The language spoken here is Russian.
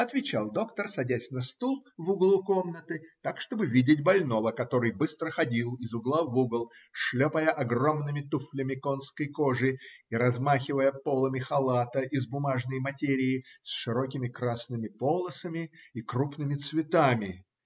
отвечал доктор, садясь на стул в углу комнаты так, чтобы видеть больного, который быстро ходил из угла в угол, шлепая огромными туфлями конской кожи и размахивая полами халата из бумажной материи с широкими красными полосами и крупными цветами.